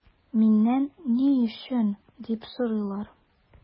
Миннән “ни өчен” дип сорыйлар.